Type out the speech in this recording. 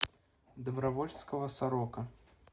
добровольского сорока